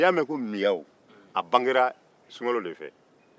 n'i y'a mɛn ko miyawu a bangera sunkalo de fɛ